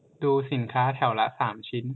ดูสินค้าแถวละสามชิ้น